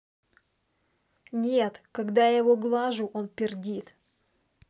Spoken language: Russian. нет когда я его глажу он пердит